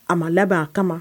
A ma labɛn a kama